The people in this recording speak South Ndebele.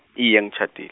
iye ngitjhadil-.